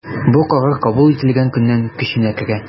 Бу карар кабул ителгән көннән көченә керә.